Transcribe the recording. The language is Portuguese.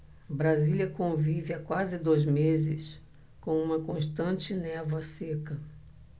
brasília convive há quase dois meses com uma constante névoa seca